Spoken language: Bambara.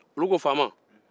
olu ko faama